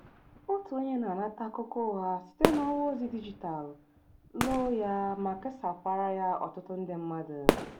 Otu onye na-anata akụkọ ụgha site n'ọwa ozi dijitalụ, loo ya ma kesakwara ya ọtụtụ ndị mmadụ.